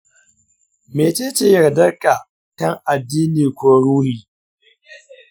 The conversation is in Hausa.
mece ce yardarka kan addini ko ruhi?